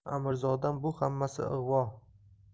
amirzodam bu hammasi ig'vo